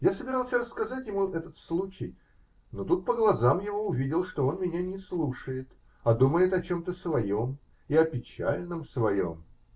Я собирался рассказать ему этот случай, но тут по глазам его увидел, что он меня не слушает, а думает о чем то своем, и о печальном своем.